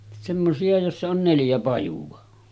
semmoisia joissa on neljä pajua